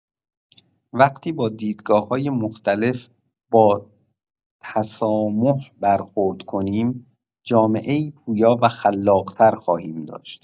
وقتی با دیدگاه‌های مختلف با تسامح برخورد کنیم، جامعه‌ای پویا و خلاق‌تر خواهیم داشت.